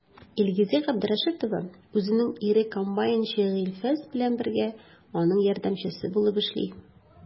Илгизә Габдрәшитова үзенең ире комбайнчы Гыйльфас белән бергә, аның ярдәмчесе булып эшли.